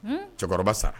Cɛkɔrɔba sara